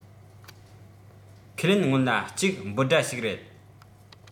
ཁས ལེན སྔོན ལ གཅིག འབོད སྒྲ ཞིག རེད